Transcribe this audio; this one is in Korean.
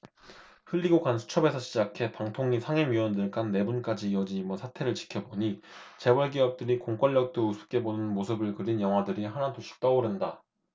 흘리고간 수첩에서 시작해 방통위 상임위원들 간 내분까지 이어진 이번 사태를 지켜보니 재벌 기업들이 공권력도 우습게 보는 모습을 그린 영화들이 하나둘씩 떠오른다